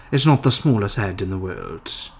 It's not the smallest head in the world.